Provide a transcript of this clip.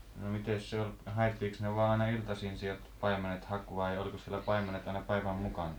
no mitenkäs se oli haettiinkos ne vain aina iltaisin sieltä paimenet haki vai olikos siellä paimenet aina päivän mukana sitten